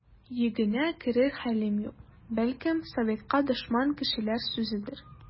Йөгенә керер хәлем юк, бәлкем, советка дошман кешеләр сүзедер.